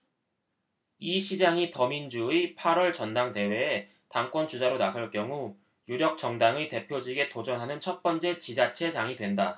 이 시장이 더민주의 팔 월 전당대회에 당권 주자로 나설 경우 유력 정당의 대표직에 도전하는 첫번째 지자체장이 된다